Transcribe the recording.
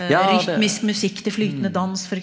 ja det .